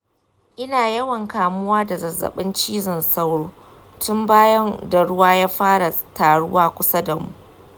ina yawan kamuwa da zazzaɓin cizon sauro tun bayan da ruwa ya fara taruwa kusa da mu.